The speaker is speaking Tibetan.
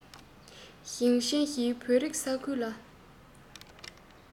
སྤྱོད ཆོག ཕྱོགས ཁག གི སྟོབས ཤུགས སྒྲིག འཛུགས སྐུལ སློང བྱས ཏེ